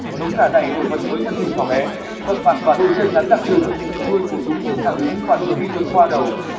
giống gà này nổi bật với thân hình nhỏ bé mập mạp và đôi chân ngắn đặc trưng đuôi của chúng dựng thẳng đứng và đôi khi vượt qua đầu